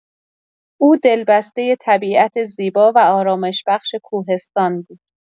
او دلبسته طبیعت زیبا و آرامش‌بخش کوهستان بود.